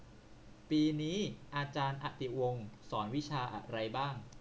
ปีนี้อาารย์อติวงศ์สอนวิชาอะไรบ้าง